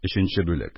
Өченче бүлек